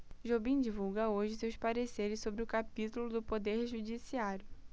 jobim divulga hoje seus pareceres sobre o capítulo do poder judiciário